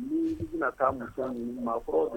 N' bɛna taa muso ninnu ma fɔlɔ